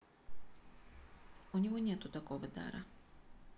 у него нету такого дара